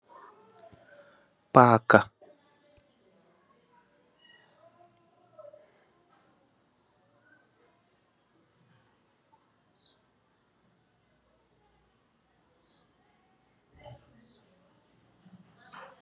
paaka